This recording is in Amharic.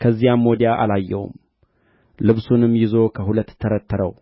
ከፈሉአቸው ኤልያስም በዐውሎ ነፋስ ወደ ሰማይ ወጣ